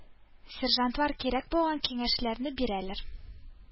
Сержантлар кирәк булган киңәшләрне бирәләр.